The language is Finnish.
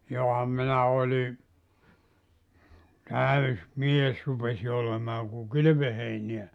johan minä olin täysi mies rupesin olemaan kun kylvöheiniä